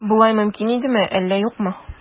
Болай мөмкин идеме, әллә юкмы?